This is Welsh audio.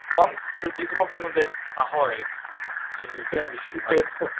Ond d- dwi'n gwybod bod nhw'n dweud ahoi shwmae.